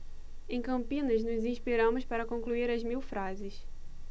em campinas nos inspiramos para concluir as mil frases